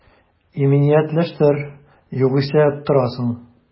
Иминиятләштер, югыйсә оттырасың